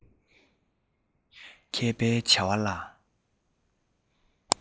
མཁས པའི བྱ བ ལ